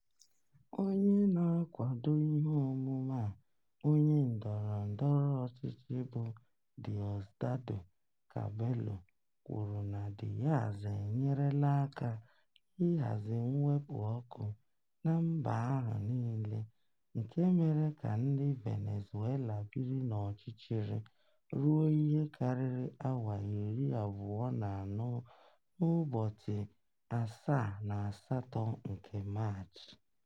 Onye na-akwado ihe omume a, onye ndọrọ ndọrọ ọchịchị bụ Diosdado Cabello, kwuru na Diaz enyerela aka ịhazi mwepu ọkụ na mba ahụ niile nke mere ka ndị Venezuela biri n'ọchịchịrị ruo ihe karịrị awa 24 n'ụbọchị 7 na 8 nke Maachị.